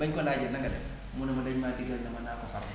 ba ñu ko laajee na nga def mu ne ma dañ maa digal ne ma naa ko faru